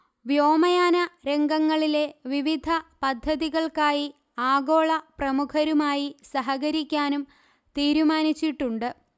വ്യോമയാന രംഗങ്ങളിലെ വിവിധ പദ്ധതികൾക്കായി ആഗോള പ്രമുഖരുമായി സഹകരിക്കാനും തീരുമാനിച്ചിട്ടുണ്ട്